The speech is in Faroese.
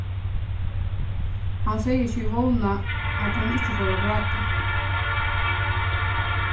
hann segði seg vóna at hon ikki fór at gráta